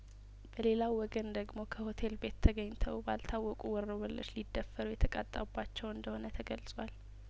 በሌላው ወገን ደግሞ ከሆቴል ቤት ተገኝተው ባልታወቁ ወሮበሎች ሊደፈሩ የተቃጣባቸው እንደሆነ ተገልጿል